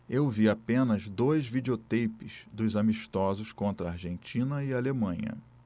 eu vi apenas dois videoteipes dos amistosos contra argentina e alemanha